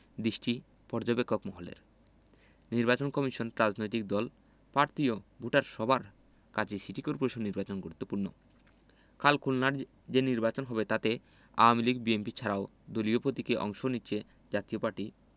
দৃষ্টি পর্যবেক্ষক মহলের নির্বাচন কমিশন রাজনৈতিক দল প্রার্থী ও ভোটার সবার কাছেই সিটি করপোরেশন নির্বাচন গুরুত্বপূর্ণ কাল খুলনায় যে নির্বাচন হবে তাতে আওয়ামী লীগ বিএনপি ছাড়াও দলীয় প্রতীকে অংশ নিচ্ছে জাতীয় পার্টি